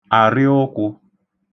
àrịụkwụ̄